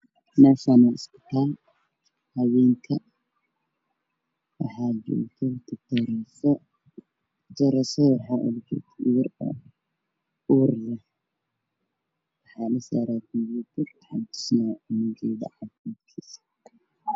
Meeshaan waxaa habeenkii joogo dad fara badan oo ku sheekaystaan oo wax ku cunaan